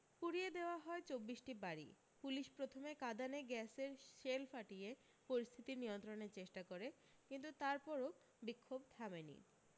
পুড়িয়ে দেওয়া হয় চব্বিশ টি বাড়ী পুলিশ প্রথমে কাঁদানে গ্যাসের শেল ফাটিয়ে পরিস্থিতি নিয়ন্ত্রণের চেষ্টা করে কিন্তু তার পরেও বিক্ষোভ থামেনি